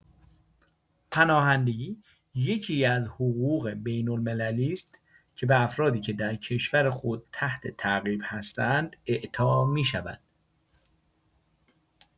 پناهندگی یکی‌از حقوق بین‌المللی است که به افرادی که در کشور خود تحت تعقیب هستند، اعطا می‌شود.